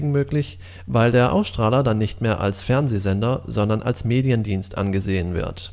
möglich, weil der Ausstrahler dann nicht mehr als Fernsehsender, sondern als Mediendienst angesehen wird